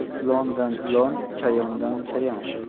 ilondan ilon chayondan chayon